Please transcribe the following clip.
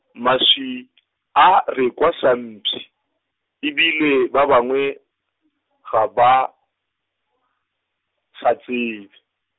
maswi , a rekwa sampshi, e bile ba bangwe , ga ba, sa tsebe.